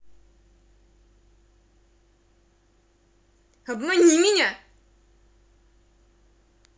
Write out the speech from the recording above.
обмани меня